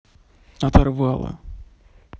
оторвала